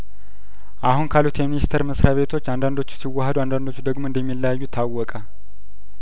አሁን ካሉት የሚኒስተር መስሪያቤቶች አንዳንዶቹ ሲዋሀዱ አንዳንዶቹ ደግሞ እንደሚለያዩ ታወቀ